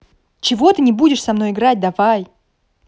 чего ты не будешь со мной играть давай